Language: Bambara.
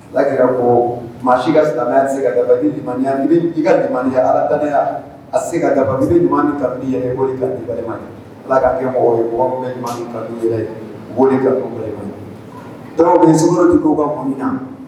Alaki ko maa si ka silamɛyase kalimaya ka dimanianiya ala kaya a se ka ta ɲuman ni ta' ka di balima ala k'a kɛ mɔgɔ ye mɔgɔ ɲuman' ka dɔw bɛ sigiyɔrɔ di ko ka mun min na